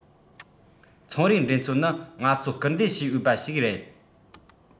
ཚོང རའི འགྲན རྩོད ནི ང ཚོ སྐུལ འདེབས བྱེད འོས པ ཞིག རེད